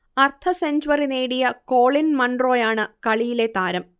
അർധ സെഞ്ച്വറി നേടിയ കോളിൻ മൺറോയാണ് കളിയിലെ താരം